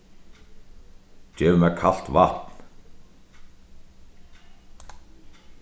gev mær kalt vatn